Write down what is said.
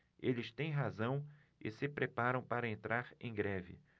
eles têm razão e se preparam para entrar em greve